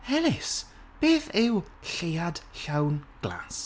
Ellis, beth yw lleuad llawn glas?